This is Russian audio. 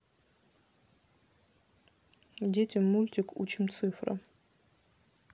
детям мультик учим цифры